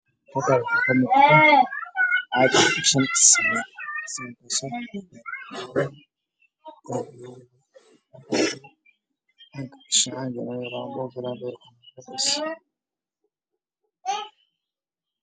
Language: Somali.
Meeshaan waxaa ka muuqdo suaal midabkiisu yahay dambaska oo qurxan kasoo laalay xarig